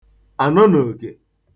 ànọnòkè